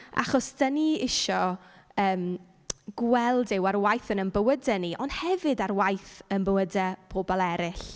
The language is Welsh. Achos dan ni isio, yym, gweld Duw ar waith yn ein bywydau ni, ond hefyd ar waith yn bywydau pobl eraill.